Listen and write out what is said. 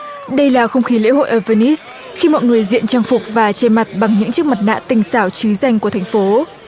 đây là không khí lễ hội ở vơ nít khi mọi người diện trang phục và che mặt bằng những chiếc mặt nạ tinh xảo chí danh của thành phố